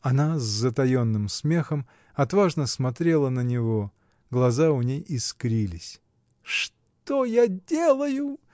Она, с затаенным смехом, отважно смотрела на него; глаза у ней искрились. — Что я делаю!!!